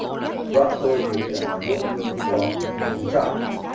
vợ tôi thì bây giờ là ruộng nương không có là đi chợ